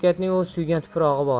suygan tuprog'i bor